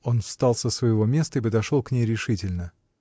Он встал со своего места и подошел к ней решительно.